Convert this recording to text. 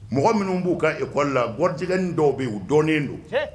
Mɔgɔ minnu b'u ka ekɔli la gjɛgɛ dɔw bɛ' u dɔnnen don